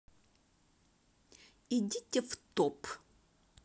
идите в топ